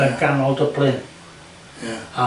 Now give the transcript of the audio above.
yn ganol Dublin... Ia.